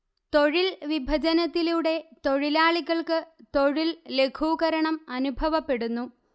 തൊഴിൽ വിഭജനത്തിലൂടെ തൊഴിലാളികൾക്ക് തൊഴിൽ ലഘൂകരണം അനുഭവപ്പെടുന്നു